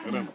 ren